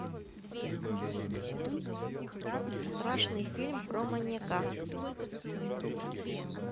страшный фильм про маньяка